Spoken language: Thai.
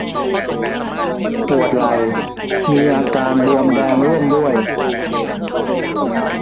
ปวดไหล่มีอาการบวมแดงร่วมด้วย